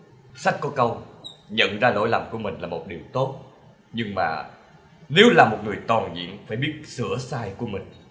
sách có câu nhận ra lỗi lầm của mình là một điều tốt nhưng mà nếu là một người toàn diện phải biết sửa sai của mình